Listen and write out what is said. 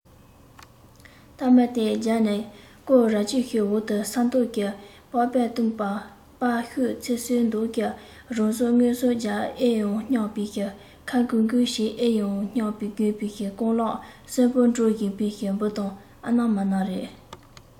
སྟ མ སྟེའུ བརྒྱབ ནས བརྐོས རྭ ཅོའི འོག ཏུ ས མདོག གིས པགས པས བཏུམས པགས པ བཤུས ཚེ གསེར མདོག གི རང གཟུགས མངོན སོ རྒྱག ཨེ འོང སྙམ པའི ཁ འགུལ འགུལ བྱེད ཨེ འོང སྙམ དགོས པའི རྐང ལག གསོན པོ འགྲོ བཞིན པའི འབུ དང ཨ ན མ ན རེད